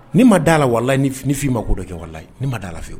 Nii ma dala la walala f'i ma'o dɔn kɛla ni ma da dala la lafiyewu